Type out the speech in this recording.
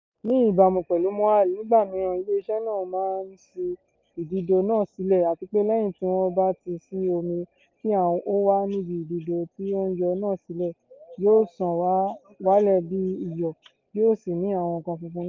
Ní ìbámu pẹ̀lú Moahl, nígbà míràn ilé iṣẹ́ náà máa ń sí ìdídò náà sílẹ̀, àtipé lẹ́yìn tí wọ́n bá ti ṣí omi tí ó wà níbi ìdídò tí ó ń yọ̀ náà sílẹ̀, yóò ṣàn wálẹ̀ bíi iyọ̀ yóò sì ní àwọn nǹkan funfun funfun nínú.